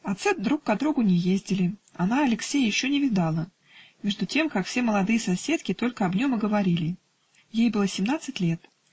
Отцы друг ко другу не ездили, она Алексея еще не видала, между тем как все молодые соседки только об нем и говорили. Ей было семнадцать лет.